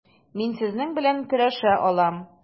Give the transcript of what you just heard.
Мин сезнең белән көрәшә алам.